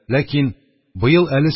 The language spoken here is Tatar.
Ләкин быел әле